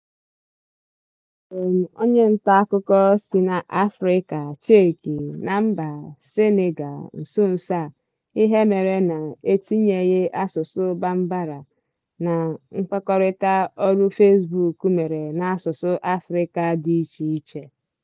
A jụrụ m onye nta akụkọ si n'Afrịka Chekị na mba Sịnịgal nso nso a ihe mere na etinyeghi asụsụ Bambara na nkwekọrịta ọrụ Fezbuk mere n'asụsụ Afrịka dị iche iche.